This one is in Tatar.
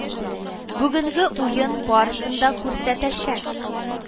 Бүгенге уен барысын да күрсәтәчәк